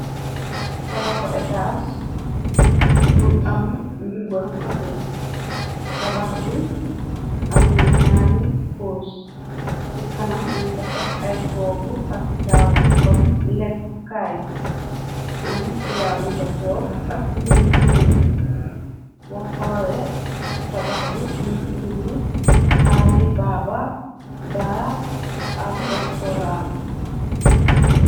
Tabaxu etaas bu am njubbal xodd. Tabax bi am na ñaari cos ci kanam. Min ko teg ay toogu ak taabul kom lekku kaay am tubaaby fa toog ak nimuñu. Bo xoole ci tabax bi minti binde aali baaba and restoraan.